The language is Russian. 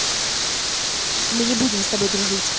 мы не будем с тобой дружить